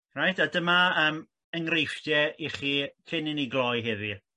reit a dyma yym enreifftie i chi cyn i ni gloi heddi.